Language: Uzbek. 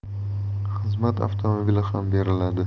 xizmat avtomobili ham beriladi